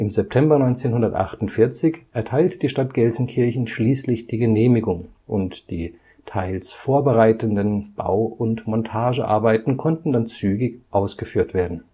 September 1948 erteilte die Stadt Gelsenkirchen schließlich die Genehmigung und die teils vorbereiteten Bau - und Montagearbeiten konnten dann zügig ausgeführt werden